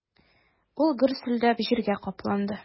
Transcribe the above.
Ул гөрселдәп җиргә капланды.